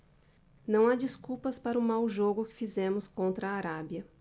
não há desculpas para o mau jogo que fizemos contra a arábia